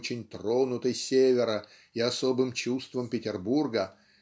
очень тронутой севером и особым чувством Петербурга